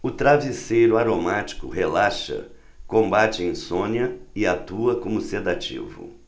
o travesseiro aromático relaxa combate a insônia e atua como sedativo